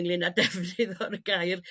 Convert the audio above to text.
ynglyn a defnydd o'r gair